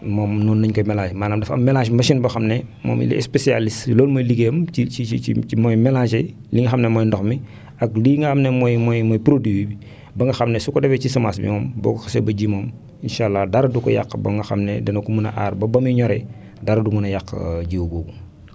moom noonu la ñu koy mélangé maanaam dafa am mélange machine boo xam ne moom il est spécialiste loolu mooy liggéeyam ci ci ci ci mooy mélangé li nga xam ne mooy ndox mi ak lii nga xam ne moom mooy mooy produit bi ba nga xam ne su ko defee ci semence bi moom boo ko xasee ba ji moom incha allah dara du ko yàq ba nga xm ne dana ko mën a aar ba ba muy ñoree dara du mën a yàq jiwu boobu